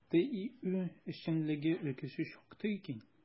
ТИҮ эшчәнлеге өлкәсе шактый киң.